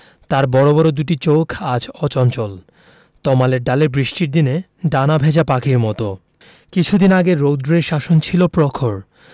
তার বড় বড় দুটি চোখ আজ অচঞ্চল তমালের ডালে বৃষ্টির দিনে ডানা ভেজা পাখির মত কিছুদিন আগে রৌদ্রের শাসন ছিল প্রখর